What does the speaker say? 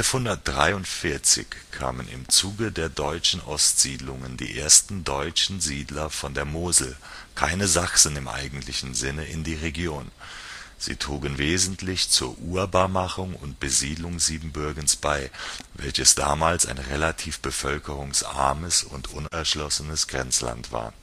1143 kamen im Zuge der deutschen Ostsiedlungen die ersten deutschen Siedler von der Mosel (keine Sachsen im eigentlichen Sinne) in die Region. Sie trugen wesentlich zur Urbarmachung und Besiedlung Siebenbürgens bei, welches damals ein relativ bevölkerungsarmes und unerschlossenes Grenzland war